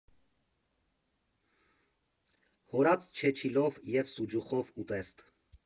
Հորած չեչիլով և սուջուխով ուտեստ։